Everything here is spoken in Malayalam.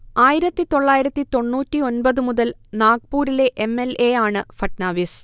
ആയിരത്തി തൊള്ളായിരത്തി തൊണ്ണൂറ്റി ഒൻപത് മുതൽ നാഗ്പൂറിലെ എം. എൽ. എ. ആണ് ഫട്നാവിസ്